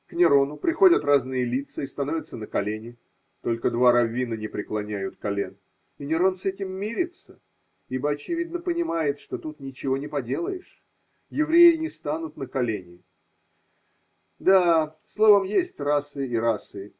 К Нерону приходят разные лица и становятся на колени: только два раввина не преклоняют колен, и Нерон с этим мирится, ибо, очевидно, понимает, что тут ничего не поделаешь: евреи не станут на колени. Да, словом, есть расы и расы.